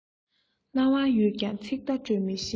རྣ བ ཡོད ཀྱང ཚིག བརྡ སྤྲོད མི ཤེས